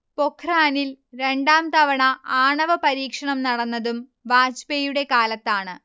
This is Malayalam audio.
പൊഖ്റാനിൽ രണ്ടാംതവണ ആണവ പരീക്ഷണം നടന്നതും വാജ്പേയിയുടെ കാലത്താണ്